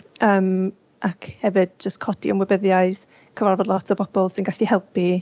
Ymm ac hefyd jysyt codi ymwybyddiaeth cyfarfod lot o bobl sy'n gallu helpu